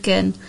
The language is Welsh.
magu yn